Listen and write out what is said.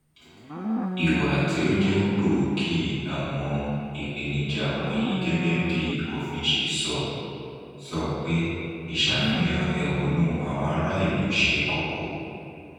Ìwà tí ó jẹ́ gbòògì àwọn ìpèníjà wọ̀nyí gẹ́gẹ́ bíi òfin ṣe ń sọ, sọ pé ìṣàfihàn ẹ̀honú àwọn ará ìlú ṣe koko.